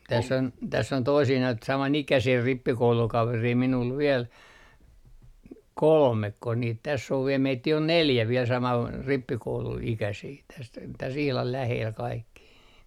tässä on toisia noita samanikäisiä rippikoulukavereita minulla vielä kolmeko niitä tässä on vielä meitä on neljä vielä - rippikouluikäisiä tässä tässä ihan lähellä kaikki